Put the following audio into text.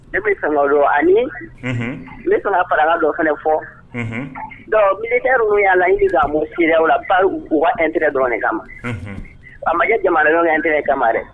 Ne bɛ sɔngɔ don ani ne sɔn farala dɔ fana fɔ dɔnku bi yala la i'mu sira o la ba u wa an tigɛ dɔɔnin kama ma baba jamanaɲɔgɔn an tɛ kama dɛ